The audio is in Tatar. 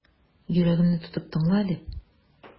Йөрәгемне тотып тыңла әле.